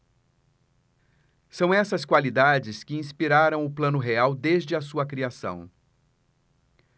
são essas qualidades que inspiraram o plano real desde a sua criação